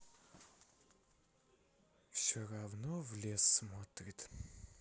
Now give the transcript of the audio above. все равно в лес смотрит